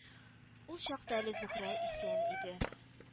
Ул чакта әле Зөһрә исән иде